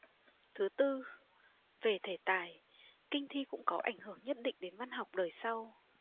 thứ tư về thể tài kinh thi cũng có ảnh hưởng nhất định đến văn học đời sau